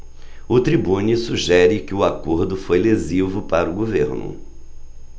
o tribune sugere que o acordo foi lesivo para o governo